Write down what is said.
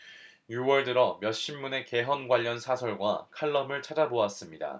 유 월 들어 몇 신문의 개헌 관련 사설과 칼럼을 찾아 보았습니다